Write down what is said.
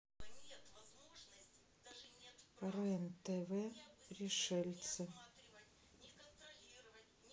рен тв пришельцы